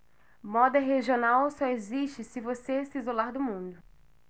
moda regional só existe se você se isolar do mundo